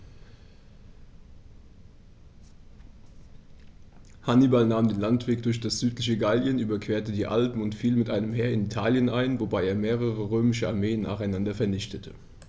Hannibal nahm den Landweg durch das südliche Gallien, überquerte die Alpen und fiel mit einem Heer in Italien ein, wobei er mehrere römische Armeen nacheinander vernichtete.